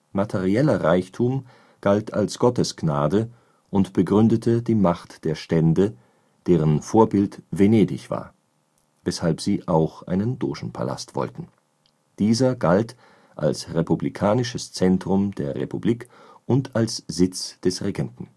Materieller Reichtum galt als Gottesgnade und begründete die Macht der Stände, deren Vorbild Venedig war, weshalb sie auch einen Dogenpalast wollten. Dieser galt als republikanisches Zentrum der Republik und als Sitz des Regenten